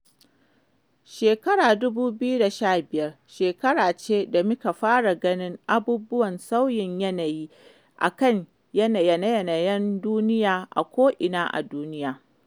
2015 shekara ce da muka fara ganin alamun sauyin yanayi a kan yanaye-yanayen duniya a ko'ina a duniya.